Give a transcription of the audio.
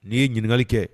N'i ye ɲininkakali kɛ